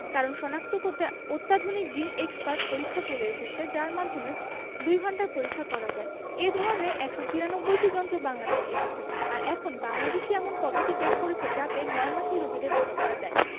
কারণ শনাক্ত করতে অত্যাধুনিক জিন এক্সপার্ট পরীক্ষা চলে এসেছে যার মাধ্যমে দুই ঘণ্টায় পরীক্ষা করা যায় এ ধরনের ১৯৩টি যন্ত্র বাংলাদেশে এসেছে আর এখন বাংলাদেশই এমন পদ্ধতি বের করেছে যাতে ৯ মাসেই রোগীদের ভালো করা যায়